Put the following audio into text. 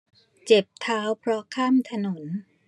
เจ็บเท้าเพราะข้ามถนน